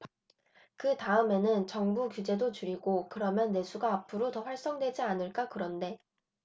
그 다음에는 정부 규제도 줄이고 그러면 내수가 앞으로 더 활성화되지 않을까 그런데